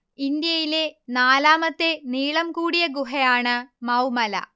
ഇന്ത്യയിലെ നാലാമത്തെ നീളം കൂടിയ ഗുഹയാണ് മൗമല